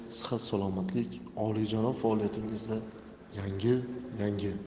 olijanob faoliyatingizda yangi yangi